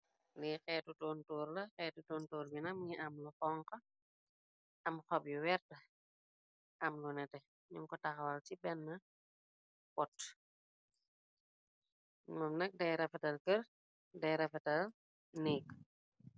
Lii xeetu toontoor la, xeetu tontoor binam ngi am lu xonk, am xob yu wert, am lu nete, ñum ko taxwal ci benn wot, one deera fetal kër deerafetal néek.